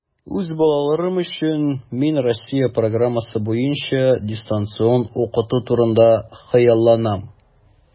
Үз балаларым өчен мин Россия программасы буенча дистанцион укыту турында хыялланам.